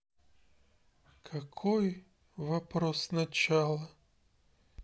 какой вопрос сначала